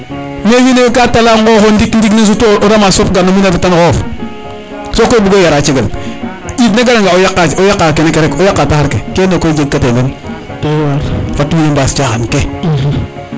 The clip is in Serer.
ye wiin we ga tala ŋoxo ndik ndiig ne sutu o ramas fop gar no mbinof retan xoxof sokoy bugo yara cegel ndiig ne gara nga o yaqa kene ke rek o yaqa taxar ke kene koy jeg kate men fat wiin we mbaas caxan ke